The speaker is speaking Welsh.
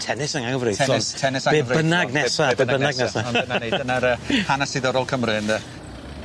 Tennis yn anghyfreithiol. Tennis tennis anghyfreithiol. Be' bynnag nesa be' bynnag nesa. Ond dyna ni dyna'r yy hanes ddiddorol Cymru ynde?